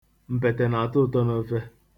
Mpete na-atọ ụtọ n'ofe.